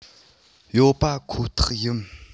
ཡོད པ ཁོ ཐག ཡིན